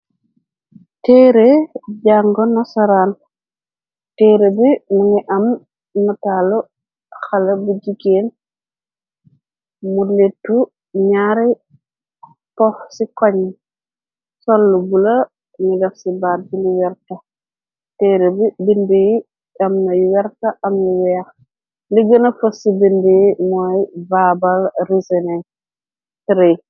Tëerë jàngo nasaraan. Teera bi mungi am nataalu xala bu jigeen mu letu ñaare pox ci koñ soll bula ni daf ci baar dinu werta tëera bi bind yi am na y werta am nu weex. Li gëna pos ci bind mooy vaabal rison tray.